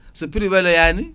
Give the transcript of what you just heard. so prix weeloyani